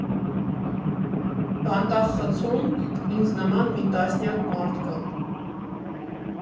Բանտախցում ինձ նման մի տասնյակ մարդ կա։